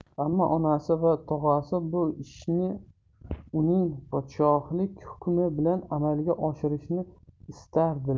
ammo onasi va tog'asi bu ishni uning podshohlik hukmi bilan amalga oshirishni istardilar